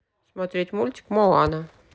смотреть мультфильм моана